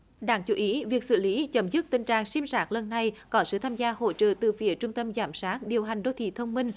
đáng chú ý việc xử lý chấm dứt tình trạng sim rác lần này có sự tham gia hỗ trợ từ phía trung tâm giám sát điều hành đô thị thông minh